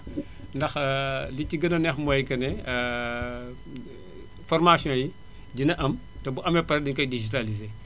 ndax li ci gën a neex mooy que ne formations yi dina am te bu amee ba pare dañu koy digitalisée